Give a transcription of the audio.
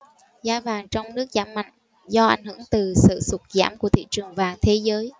giá vàng trong nước giảm mạnh do ảnh hưởng từ sự sụt giảm của thị trường vàng thế giới